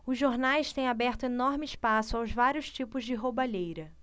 os jornais têm aberto enorme espaço aos vários tipos de roubalheira